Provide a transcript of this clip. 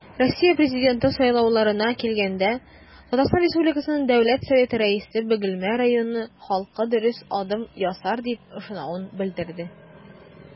Россия Президенты сайлауларына килгәндә, ТР Дәүләт Советы Рәисе Бөгелмә районы халкы дөрес адым ясар дип ышануын белдерде.